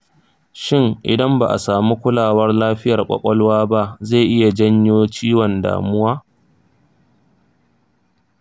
shin idan ba'a samu kulawar lafiyar ƙwaƙwalwa ba ze iya janyo ciwon damuwa?